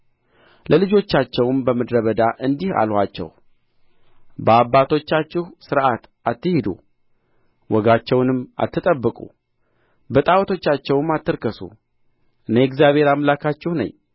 ለልጆቻቸውም በምድረ በዳ እንዲህ አልኋቸው በአባቶቻችሁ ሥርዓት አትሂዱ ወጋቸውንም አትጠብቁ በጣዖቶቻቸውም አትርከሱ እኔ እግዚአብሔር አምላካችሁ ነኝ